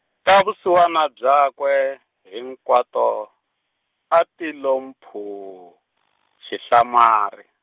ta vusiwana byakwe hinkwato, a ti lo mphuu, rihlamari.